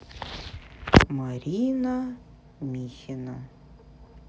марина михина